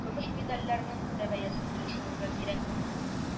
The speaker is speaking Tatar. Көмеш медальләрнең дә бәясен төшерергә кирәкми